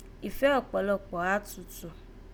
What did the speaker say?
Ìfẹ́ ọ̀kpọ̀lọkpọ̀ á tutù